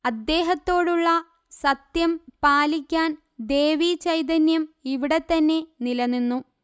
അദ്ദേഹത്തോടുള്ള സത്യം പാലിക്കാൻ ദേവിചൈതന്യം ഇവിടെത്തന്നെ നിലനിന്നു